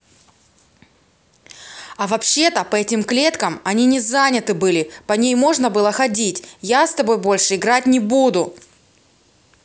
а вообще то по этим клеткам они не заняты были по ней можно было ходить я с тобой больше играть не буду